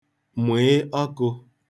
mụ̀ị ọkụ̄